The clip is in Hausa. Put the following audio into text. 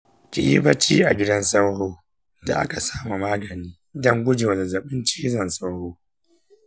kiyi bacci a cikin gidan sauro da aka sa ma magani don gujewa zazzaɓin cizon sauro.